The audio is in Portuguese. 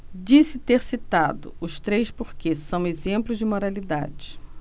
disse ter citado os três porque são exemplos de moralidade